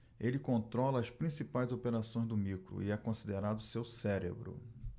ele controla as principais operações do micro e é considerado seu cérebro